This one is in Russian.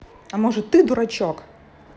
а может ты дурачок